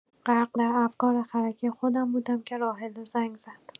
غرق در افکار خرکی خودم بودم که راحله زنگ زد.